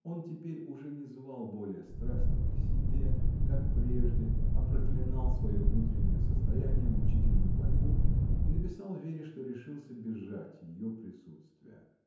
Он теперь уже не звал более страсть к себе, как прежде, а проклинал свое внутреннее состояние, мучительную борьбу, и написал Вере, что решился бежать ее присутствия.